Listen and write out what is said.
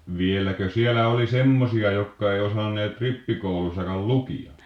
vieläkö siellä oli semmoisia jotka ei osanneet rippikoulussakaan lukea